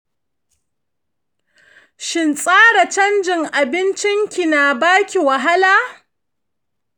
shin tsara canjin abincin ki na baki wahala?